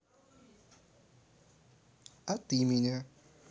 а ты меня